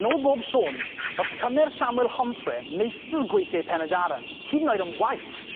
Yn ôl bob sôn, o'dd tymer Samuel Honfre meistr gweithiau Pen-y-Daran, hyd yn oed yn waeth.